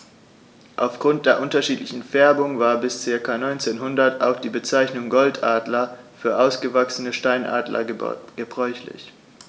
Auf Grund der unterschiedlichen Färbung war bis ca. 1900 auch die Bezeichnung Goldadler für ausgewachsene Steinadler gebräuchlich.